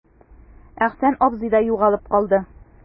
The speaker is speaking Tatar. Әхсән абзый да югалып калды.